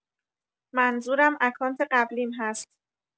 منظورم اکانت قبلیم هست.